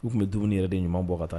U tun bɛ dumuni yɛrɛ de ɲuman bɔ ka taa